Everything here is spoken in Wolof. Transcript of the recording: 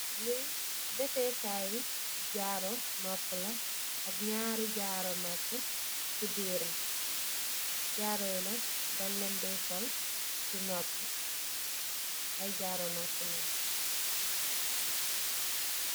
Li defèh Kai jaru nopuh la ak ñaari jaru nopuh ci biir. Jaru yi na dañ len dèy sol ci nopuh, ay jaru nopuh lèèn.